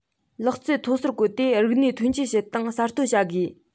ལག རྩལ མཐོ གསར བཀོལ ཏེ རིག གནས ཐོན སྐྱེད བྱེད སྟངས གསར གཏོད བྱ དགོས